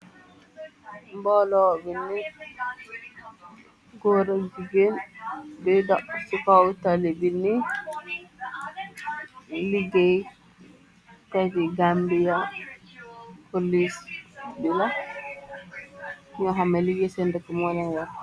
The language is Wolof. Mboolo bu nit, góor ak jigeen di dox si kaw tali bi nii, liggéeykat ti Gambiya polis bi la, ñu xamne liggéey seen dakki molen war.